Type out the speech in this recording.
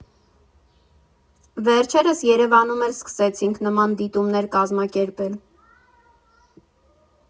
Վերջերս Երևանում էլ սկսեցինք նման դիտումներ կազմակերպել։